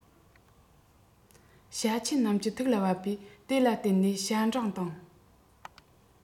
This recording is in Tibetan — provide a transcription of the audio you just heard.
བྱ ཆེན རྣམས ཀྱི ཐུགས ལ བབས པས དེ ལ བརྟེན ནས བྱ འབྲིང དང